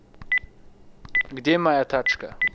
где моя тачка